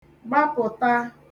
gbapụ̀ta